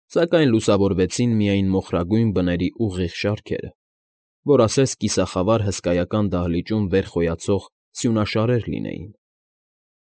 Սակայն լուսավորվեցին միայն մոխրագույն բների ուղիղ շարքերը, որ ասես կիսախավար հսկայական դահլիճում վեր խոյացող սյունաշարեր լինեին։